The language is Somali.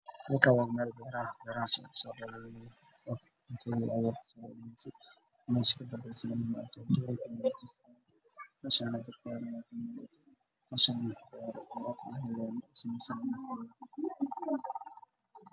Meeshaan wax yaalo alaabo badan oo isku eg oo cagaar iyo jaalo iyo kalaro kala badana